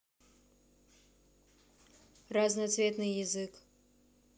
разноцветный язык